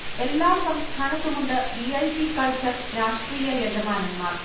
എല്ലാ സംസ്ഥാനത്തുമുണ്ട് V. I. P. Culture രാഷ്ട്രീയ യജമാനൻമാർ